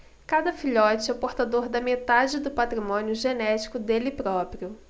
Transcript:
cada filhote é portador da metade do patrimônio genético dele próprio